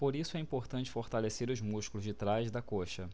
por isso é importante fortalecer os músculos de trás da coxa